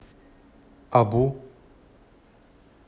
абу